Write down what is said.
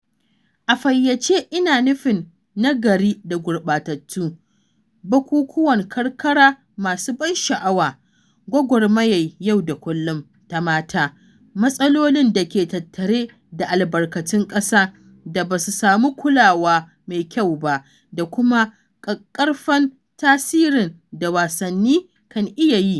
A fayyace, ina nufin nagari da gurɓatattu: bukukuwan karkara masu ban sha'awa, gwagwarmayar yau da kullum ta mata, matsalolin da ke tattare da albarkatun ƙasa da basu samu kulawa mai kyau ba, da kuma ƙaƙƙarfan tasirin da wasanni kan iya yi..